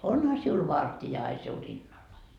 onhan sinulla vartija aina sinun rinnallasi